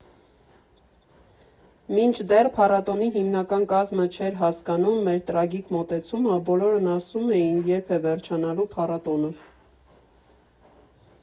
Մինչդեռ փառատոնի հիմնական կազմը չէր հասկանում մեր տրագիկ մոտեցումը, բոլորն ասում էին՝ երբ է վերջանալու փառատոնը.